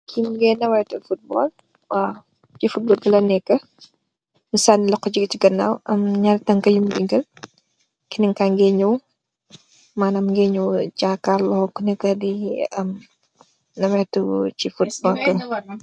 Ki mogeh joganteh football waw si football bi la neka di sani loxo gi si ganaw am naari tanka yum jetal kenen ka geh nyui manam mogeh nyow jakarlo ko neka di am.